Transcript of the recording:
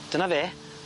Dyna fe.